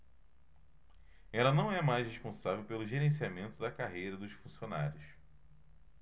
ela não é mais responsável pelo gerenciamento da carreira dos funcionários